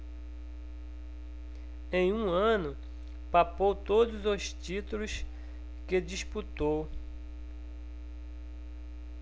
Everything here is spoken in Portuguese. em um ano papou todos os títulos que disputou